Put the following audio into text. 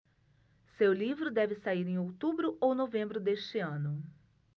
seu livro deve sair em outubro ou novembro deste ano